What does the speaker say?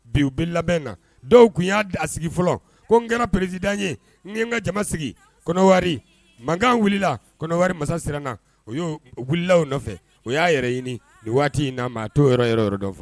Bi ubi labɛn na dɔw tun y'a da a sigi fɔlɔ ko n kɛra perezsid ye n n ka jama sigi kɔnɔ mankan wulila kɔnɔ masa siranna o y'o wulilalaw nɔfɛ o y'a yɛrɛ ɲini waati in ma too yɔrɔ yɔrɔ dɔn fɛ